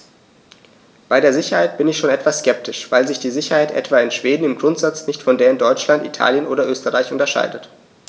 Bei der Sicherheit bin ich schon etwas skeptisch, weil sich die Sicherheit etwa in Schweden im Grundsatz nicht von der in Deutschland, Italien oder Österreich unterscheidet.